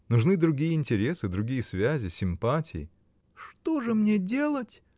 Нужны другие интересы, другие связи, симпатии. — Что же мне делать?